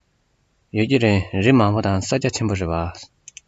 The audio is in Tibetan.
ཡོད ཀྱི རེད རི མང པོ དང ས རྒྱ ཆེན པོ རེད པ